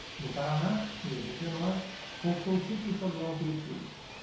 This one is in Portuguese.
no paraná em oitenta e nove conquistou o título estadual no curitiba